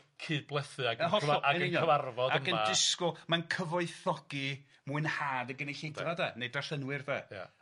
...cydblethu ac... Yn hollol. ...ac yn cyfarfod yma... Ac yn disgwl mae'n cyfoethogi mwynhad y gynulleidfa de neu darllenwyr de. Ia.